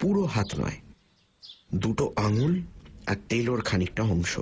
পুরো হাত নয় দুটো আঙুল আর তেলোর খানিকটা অংশ